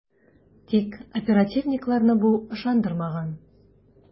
Тик оперативникларны бу ышандырмаган ..